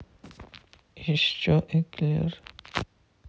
еще эклер